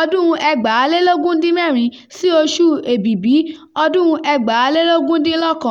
ọdún-un 2016 sí oṣù Èbìbí ọdún-un 2019.